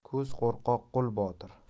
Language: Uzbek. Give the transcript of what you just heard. ko'z qo'rqoq qoi botir